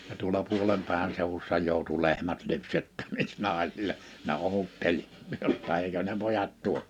ja tuolla puolenpäivän seudussa joutui lehmät lypsettäviksi naisille ne odotteli jotta eikö ne pojat tuo